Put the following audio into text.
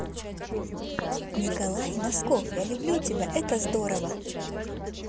николай носков я люблю тебя это здорово